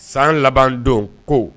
San laban don ko